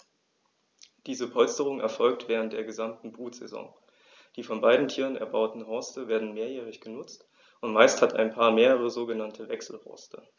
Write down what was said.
Diese Polsterung erfolgt während der gesamten Brutsaison. Die von beiden Tieren erbauten Horste werden mehrjährig benutzt, und meist hat ein Paar mehrere sogenannte Wechselhorste.